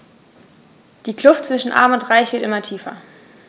Die Kluft zwischen Arm und Reich wird immer tiefer.